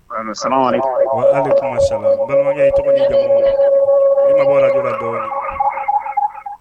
Allo Salamuhalekum, walekum salam n balimakɛ i tɔgɔ ni jamu? i mabɔ radio la dɔɔnin.